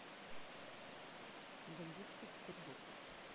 бандитский петербург